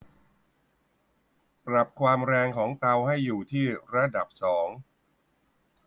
ปรับความแรงของเตาให้อยู่ที่ระดับสอง